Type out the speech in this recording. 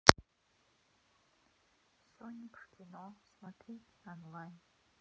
соник в кино смотреть онлайн